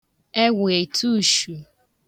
ewhā ètushù